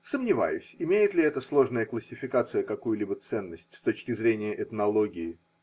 Сомневаюсь, имеет ли эта сложная классификация какую-либо ценность с точки зрения этнологии